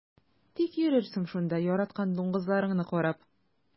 Тик йөрерсең шунда яраткан дуңгызларыңны карап.